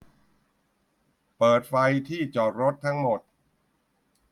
เปิดไฟที่จอดรถทั้งหมด